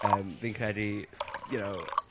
Yym, fi'n credu you know...